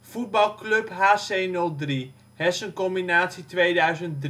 Voetbalclub H.C. ' 03 (Hessen Combinatie 2003). Hessen